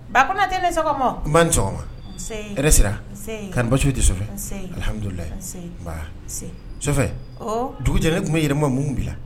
Ba ko tɛ n' sɔgɔma yɛrɛ sera kanu basiso tɛ alihamdulila so dugu jɛ tun bɛ yirima minnu bila la